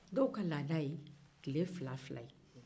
dɔw ka laada ye tile fila-fila ye